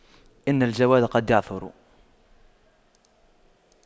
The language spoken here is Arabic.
إن الجواد قد يعثر